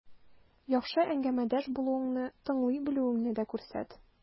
Яхшы әңгәмәдәш булуыңны, тыңлый белүеңне дә күрсәт.